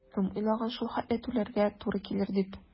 Кем уйлаган шул хәтле түләргә туры килер дип?